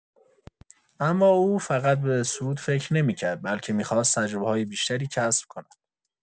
اما او فقط به سود فکر نمی‌کرد، بلکه می‌خواست تجربه‌های بیشتری کسب کند.